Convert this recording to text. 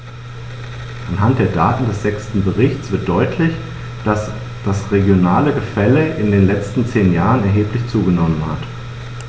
Anhand der Daten des sechsten Berichts wird deutlich, dass das regionale Gefälle in den letzten zehn Jahren erheblich zugenommen hat.